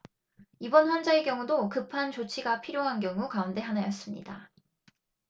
이번 환자의 경우도 급한 조치가 필요한 경우 가운데 하나였습니다